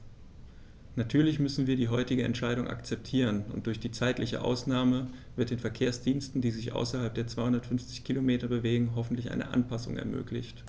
Natürlich müssen wir die heutige Entscheidung akzeptieren, und durch die zeitliche Ausnahme wird den Verkehrsdiensten, die sich außerhalb der 250 Kilometer bewegen, hoffentlich eine Anpassung ermöglicht.